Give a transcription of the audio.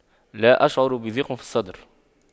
لا اشعر بضيق في الصدر